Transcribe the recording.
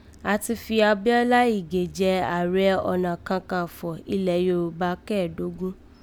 Àán ti fi Abíọ́lá Ìgè jẹ Ààrẹ Ọ̀nà Kankan fọ̀ ilẹ̀ Yorùbá kẹ́ẹ̀dógún